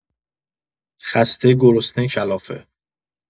خسته، گرسنه، کلافه.